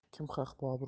kim haq bobur